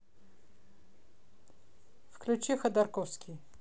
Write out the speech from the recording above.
включи ходорковский